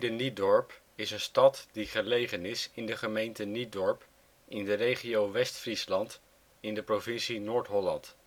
Niedorp)) is een stad die gelegen is in de gemeente Niedorp, in de Regio West-Friesland, in de provincie Noord-Holland